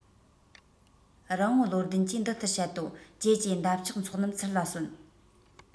རི བོང བློ ལྡན གྱིས འདི ལྟར བཤད དོ ཀྱེ ཀྱེ འདབ ཆགས ཚོགས རྣམས ཚུར ལ གསོན